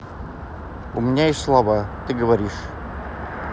у меня есть слова ты говоришь